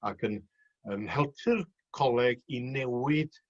...ac yn yn helpu'r coleg i newid